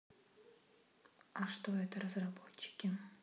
а что это разработчики